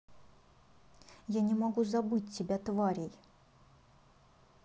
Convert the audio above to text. я не могу забыть тебя тварей